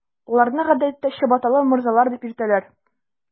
Аларны, гадәттә, “чабаталы морзалар” дип йөртәләр.